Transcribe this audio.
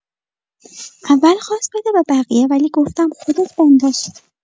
اول خواست بده به بقیه، ولی گفتم خودت بنداز.